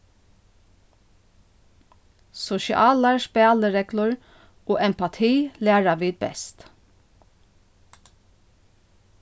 sosialar spælireglur og empati læra vit best